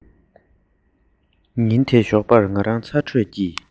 ཉིན དེའི ཞོགས པར ང རང ཚ དྲོད ཀྱིས